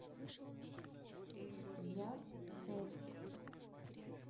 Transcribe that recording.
я сеск